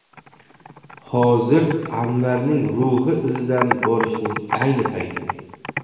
hozir anvarning ruhi izidan borishning ayni payti